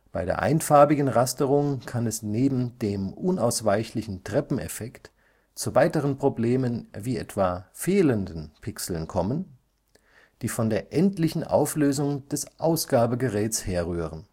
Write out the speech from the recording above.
Bei der einfarbigen Rasterung kann es neben dem unausweichlichen Treppeneffekt zu weiteren Problemen wie etwa „ fehlenden “Pixeln kommen, die von der endlichen Auflösung des Ausgabegerätes herrühren